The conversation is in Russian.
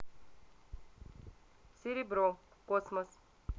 серебро космос